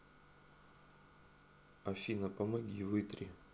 афина помоги вытри